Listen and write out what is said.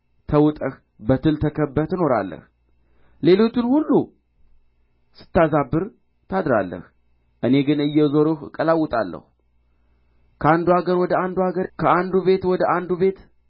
ተውጠህ በትል ተከብበህ ትኖራለህ ሌሊቱን ሁሉ ስትዛብር ታድራለህ እኔ ግን እየዞርሁ እቀላውጣለሁ ከአንዱ አገር ወደ አንዱ አገር ከአንዱ ቤት ወደ አንዱ ቤት